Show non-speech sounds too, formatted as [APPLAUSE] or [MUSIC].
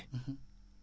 [HESITATION] [HESITATION]